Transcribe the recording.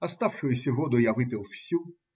Оставшуюся воду я выпил всю.